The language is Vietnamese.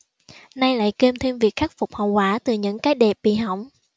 nay lại kiêm thêm việc khắc phục hậu quả từ những cái đẹp bị hỏng